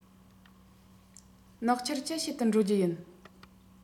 ནག ཆུར ཅི བྱེད དུ འགྲོ རྒྱུ ཡིན